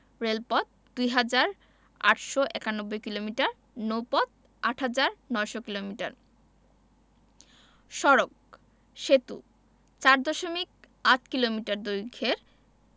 রেলপথ ২হাজার ৮৯১ কিলোমিটার নৌপথ ৮হাজার ৯০০ কিলোমিটার সড়কঃ সেতু ৪দশমিক ৮ কিলোমিটার দৈর্ঘ্যের